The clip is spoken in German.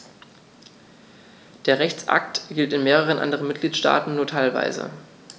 Der Rechtsakt gilt in mehreren anderen Mitgliedstaaten nur teilweise.